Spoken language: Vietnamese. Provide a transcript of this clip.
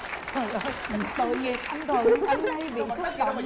trời ơi tội nghiệp anh thuận anh hay bị xúc động